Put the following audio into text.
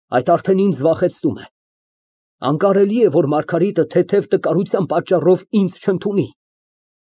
Այդ ինձ վախեցնում է։ Անկարելի է, որ Մարգարիտը թեթև տկարության պատճառով ինձ չընդունի։